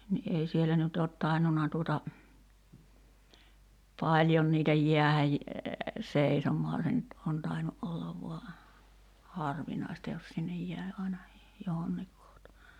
niin ei siellä nyt ole tainnut tuota paljon niitä jäädä seisomaan se nyt on tainnut olla vain harvinaista jos sinne jäi aina johonkin kohta